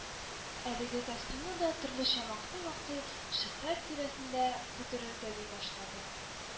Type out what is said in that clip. Әлеге костюмны да төрлечә мактый-мактый, Шөһрәт тирәсендә бөтерелгәли башлады